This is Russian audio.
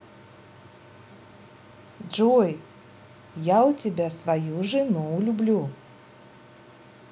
джой я у тебя свою жену люблю